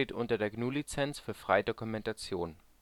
unter der GNU Lizenz für freie Dokumentation